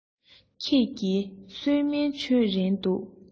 ཁྱེད ཀྱིས གསོལ སྨན མཆོད རན འདུག